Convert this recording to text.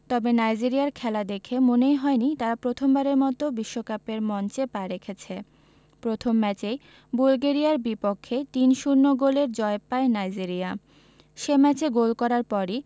তবে নাইজেরিয়ার খেলা দেখে মনেই হয়নি তারা প্রথমবারের মতো বিশ্বকাপের মঞ্চে পা রেখেছে প্রথম ম্যাচেই বুলগেরিয়ার বিপক্ষে ৩ ০ গোলের জয় পায় নাইজেরিয়া সে ম্যাচে গোল করার পরই